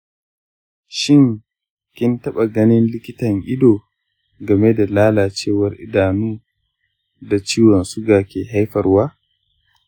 shin kin taɓa ganin likitan ido game da lalacewar idanu da ciwon suga ke haifarwa?